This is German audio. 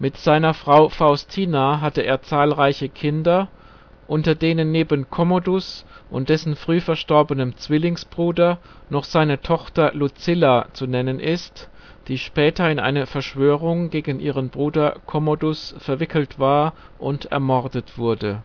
seiner Frau Faustina hatte er zahlreiche Kinder, unter denen neben Commodus und dessen früh verstorbenem Zwillingsbruder noch seine Tochter Lucilla zu nennen ist, die später in eine Verschwörung gegen ihren Bruder Commodus verwickelt war und ermordet wurde